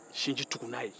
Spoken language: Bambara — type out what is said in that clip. sinji tugu n'a ye